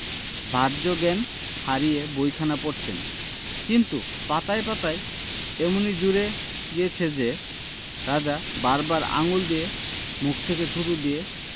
বাহ্যজ্ঞান হারিয়ে বইখানা পড়ছেন কিন্তু পাতায় পাতায় এমনি জুড়ে গিয়েছে যে রাজা বার বার আঙুল দিয়ে মুখ থেকে থুথু নিয়ে